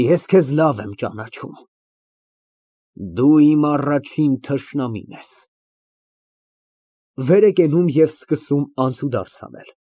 Ես քեզ լավ եմ ճանաչում, դու իմ առաջին թշնամին ես։ (Վեր է կենում և սկսում անցուդարձ անել)։